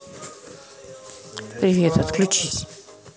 привет отключись